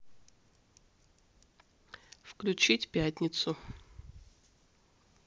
включить пятницу